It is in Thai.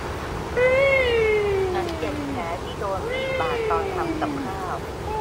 ฉันเจ็บแผลที่โดนมีดบาดตอนทำกับข้าว